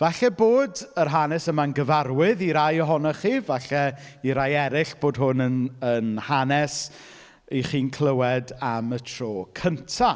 Falle bod yr hanes yma'n gyfarwydd i rai ohonoch chi, falle i rai eraill bod hwn yn yn hanes 'y chi'n clywed am y tro cynta.